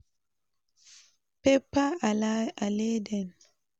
""Peppa aleden," eh."